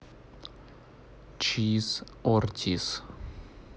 chess ортис